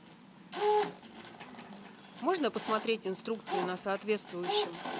можно посмотреть инструкцию на соответствующем